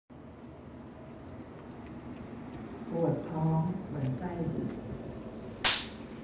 ปวดท้องเหมือนไส้บิด